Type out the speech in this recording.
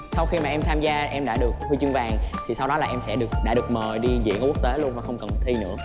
sau khi mà em tham gia em đã được huy chương vàng thì sau đó là em sẽ được đã được mời đi diễn ở quốc tế luôn mà không cần thi nữa